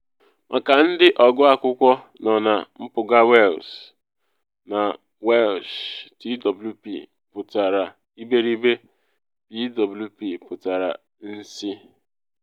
Maka ndị ọgụ akwụkwọ nọ na mpụga Wales: Na Welsh twp pụtara iberibe, pwp pụtara nsị.